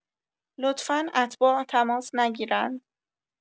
لطفا اتباع تماس نگیرند